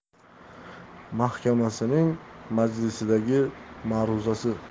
mahkamasining majlisidagi ma'ruzasi